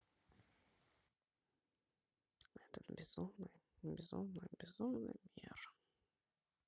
этот безумный безумный безумный мир